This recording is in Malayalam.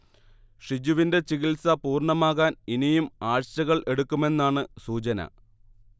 ഷിജുവിന്റെ ചികിൽസ പൂർണ്ണമാകാൻ ഇനിയും ആഴ്ചകൾ എടുക്കുമെന്നാണ് സൂചന